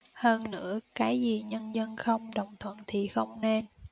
hơn nữa cái gì nhân dân không đồng thuận thì không nên